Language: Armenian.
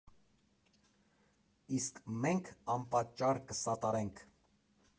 Իսկ մենք անպատճառ կսատարե՜նք։